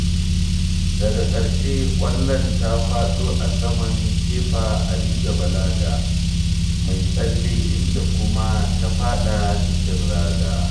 Daga ƙarshe ƙwallon ta faɗo a saman Kepa Arrizabalaga mai tsalle inda kuma ta faɗa cikin ragar.